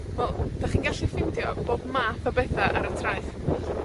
Wel, 'dach chi'n gallu ffindio bob math o betha ar y traeth.